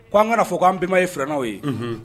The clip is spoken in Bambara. Ko'an kana fɔ k koanenba ye fnawo ye